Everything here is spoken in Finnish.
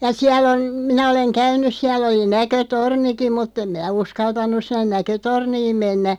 ja siellä on minä olen käynyt siellä oli näkötornikin mutta en minä uskaltanut sinne näkötorniin mennä